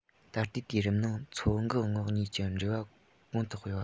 ད ལྟའི དུས རིམ ནང མཚོ འགག ངོགས གཉིས ཀྱི འབྲེལ བ གོང དུ སྤེལ བ